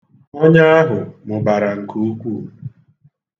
Ọnya ahụ mụbara nke ukwuu.